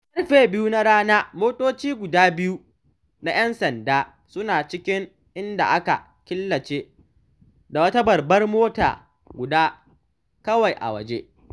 Da karfe 2 na rana motoci guda biyu na ‘yan sanda suna cikin inda aka killace da wata babbar mota guda kawai a waje.